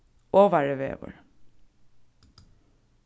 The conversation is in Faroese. ovarivegur